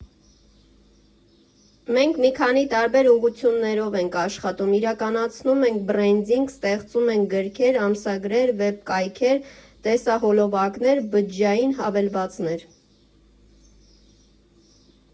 Մենք մի քանի տարբեր ուղղություններով ենք աշխատում՝ իրականացնում ենք բրենդինգ, ստեղծում ենք գրքեր, ամսագրեր, վեբկայքեր, տեսահոլովակներ, բջջային հավելվածներ։